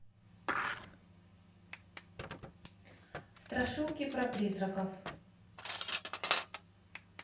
страшилки про призраков